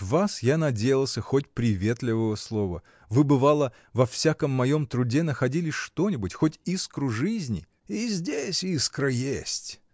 от вас я надеялся хоть приветливого слова: вы, бывало, во всяком моем труде находили что-нибудь, хоть искру жизни. — И здесь искра есть!